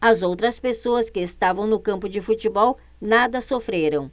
as outras pessoas que estavam no campo de futebol nada sofreram